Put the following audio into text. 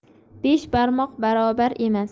besh barmoq barobar emas